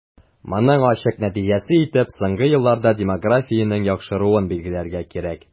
Моның ачык нәтиҗәсе итеп соңгы елларда демографиянең яхшыруын билгеләргә кирәк.